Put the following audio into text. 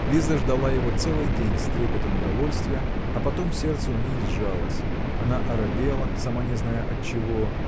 Лиза ждала его целый день с трепетом удовольствия а потом сердце у ней сжалось она оробела сама не зная отчего